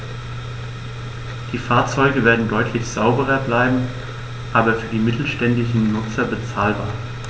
Die Fahrzeuge werden deutlich sauberer, bleiben aber für die mittelständischen Nutzer bezahlbar.